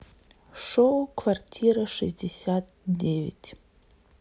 шоу квартира шестьдесят девять